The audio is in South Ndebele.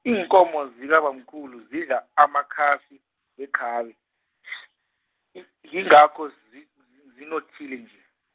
iinkomo zikabamkhulu zidla amakhasi, wekhabe, i- yingakho zi- zi- zinothile nje.